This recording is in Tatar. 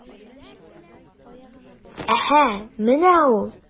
Әһә, менә ул...